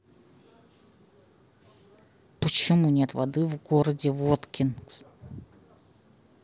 почему нет воды в городе воткинск